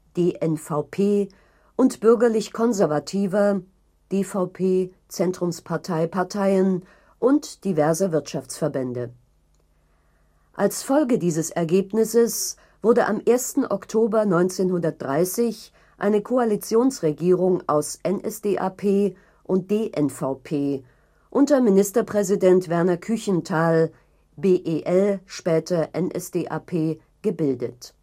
DNVP) und bürgerlich-konservativer (DVP, Zentrumspartei) Parteien und diverser Wirtschaftsverbände. Als Folge dieses Ergebnisses wurde am 1. Oktober 1930 eine Koalitionsregierung aus NSDAP und DNVP unter Ministerpräsident Werner Küchenthal (BEL, später NSDAP) gebildet